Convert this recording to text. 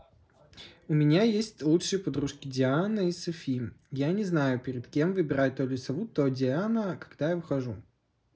у меня есть лучшие подружки диана и софи я не знаю перед кем выбирать то лисову то ли диана когда я выхожу